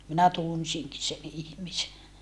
minä tunsinkin sen ihmisen